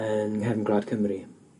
yn nghefn gwlad Cymru.